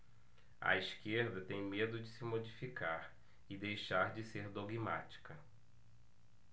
a esquerda tem medo de se modificar e deixar de ser dogmática